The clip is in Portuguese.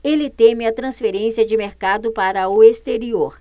ele teme a transferência de mercado para o exterior